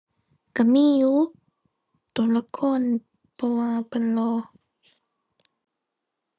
กะมีอยู่ ตัวละคร เพราะว่าเพิ่นหล่อ